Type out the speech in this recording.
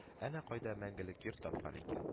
Әнә кайда мәңгелек йорт тапкан икән